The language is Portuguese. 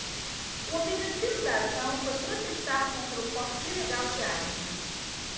o objetivo da ação foi protestar contra o corte ilegal de árvores